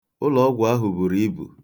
Ulọọgwụ ahụ buru ibu.